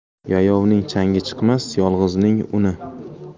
yayovning changi chiqmas yolg'izning uni